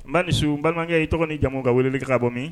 N ba ni su n balimakɛ. I tɔgɔ ni jamu ? ka wulili k ka bɔ min?